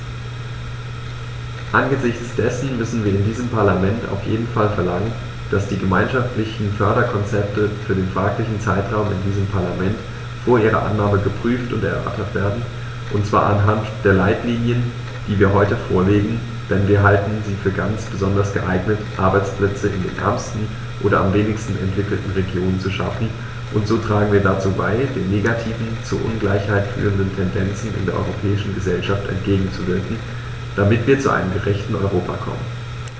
Angesichts dessen müssen wir in diesem Parlament auf jeden Fall verlangen, dass die gemeinschaftlichen Förderkonzepte für den fraglichen Zeitraum in diesem Parlament vor ihrer Annahme geprüft und erörtert werden, und zwar anhand der Leitlinien, die wir heute vorlegen, denn wir halten sie für ganz besonders geeignet, Arbeitsplätze in den ärmsten oder am wenigsten entwickelten Regionen zu schaffen, und so tragen wir dazu bei, den negativen, zur Ungleichheit führenden Tendenzen in der europäischen Gesellschaft entgegenzuwirken, damit wir zu einem gerechteren Europa kommen.